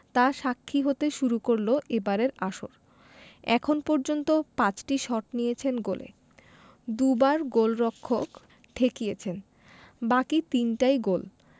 তার সাক্ষী হতে শুরু করল এবারের আসর এখন পর্যন্ত ৫টি শট নিয়েছেন গোলে দুবার গোলরক্ষক ঠেকিয়েছেন বাকি তিনটাই গোল